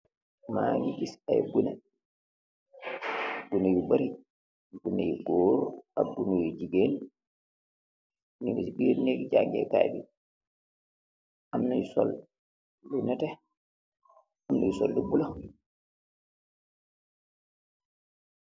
Guuneh yii goor ak yuu jigeen yuu nehka ce behrehmi jang geih kaiyi